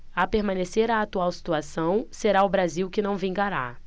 a permanecer a atual situação será o brasil que não vingará